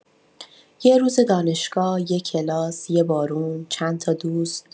یه روز دانشگاه، یه کلاس، یه بارون، چندتا دوست.